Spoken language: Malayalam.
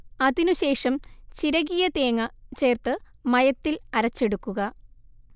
അതിനുശേഷം ചിരകിയ തേങ്ങ ചേർത്ത് മയത്തിൽ അരച്ചെടുക്കുക